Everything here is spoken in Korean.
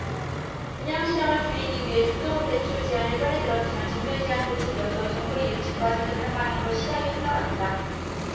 분양시장을 조이기 위해 중도금 대출 제한을 꺼내들었지만 전매제한 대책이 없어 정부의 예측과 전혀 다른 방향으로 시장이 흘러갔다